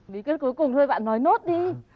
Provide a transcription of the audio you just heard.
bí quyết cuối cùng thôi bạn nói nốt đi